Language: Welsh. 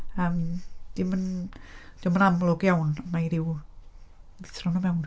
Yym, 'di hi'm yn... 'dio'm yn amlwg iawn, mae hi ryw lithro nhw mewn.